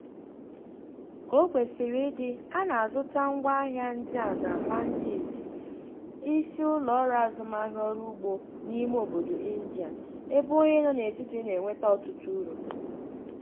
Ka o kwesịrị ịdị, a na-azụta ngwaahịa ndị a na "mandis" (isi ụlọọrụ azụmahịa ọrụ ugbo n'ime obodo India), ebe onye nọ n'etiti na-enweta ọtụtụ uru.